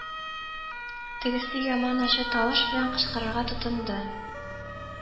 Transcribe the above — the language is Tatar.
Тегесе яман ачы тавыш белән кычкырырга тотынды